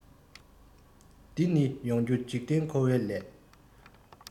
འདི ནི ཡོང རྒྱུ འཇིག རྟེན འཁོར བའི ལས